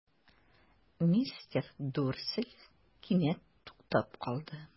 Мистер Дурсль кинәт туктап калды.